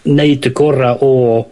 neud y gora' o...